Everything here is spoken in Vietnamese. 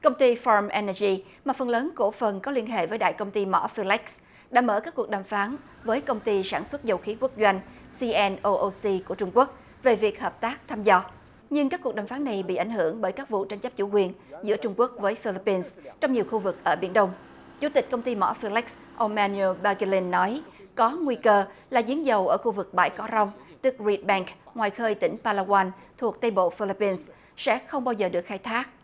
công ty phom en nơ gi mà phần lớn cổ phần có liên hệ với đại công ty mỏ phi lách đã mở các cuộc đàm phán với công ty sản xuất dầu khí quốc doanh xi en âu âu xi của trung quốc về việc hợp tác thăm dò nhưng các cuộc đàm phán này bị ảnh hưởng bởi các vụ tranh chấp chủ quyền giữa trung quốc với phi líp pin trong nhiều khu vực ở biển đông chủ tịch công ty mỏ phiu lách ông men neo ba ke lin nói có nguy cơ là giếng dầu ở khu vực bãi cỏ rong riu banh ngoài khơi tỉnh pa la goan thuộc tây bộ phi líp pin sẽ không bao giờ được khai thác